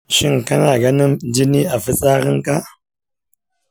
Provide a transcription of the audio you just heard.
shin kana ganin jini a fitsarinka?